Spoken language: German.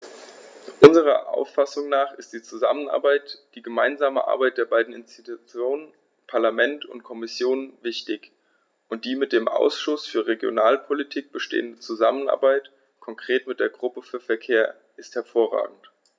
Unserer Auffassung nach ist die Zusammenarbeit, die gemeinsame Arbeit der beiden Institutionen - Parlament und Kommission - wichtig, und die mit dem Ausschuss für Regionalpolitik bestehende Zusammenarbeit, konkret mit der Gruppe für Verkehr, ist hervorragend.